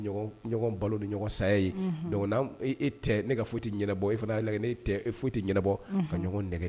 Ɲɔgɔn ɲɔgɔn balo ni ɲɔgɔn saya ye unhun donc n'anw e e tɛ ne ka foyi tɛ ɲɛnɛbɔ e fɛnɛ hakilila n'e tɛ e foyi tɛ ɲɛnɛbɔ unhun ka ɲɔgɔn nɛgɛ